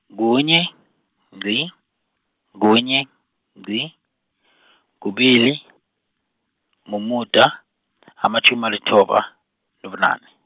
kunye, ngqi, kunye, ngqi , kubili, mumuda, amatjhumi, alithoba, nobunane.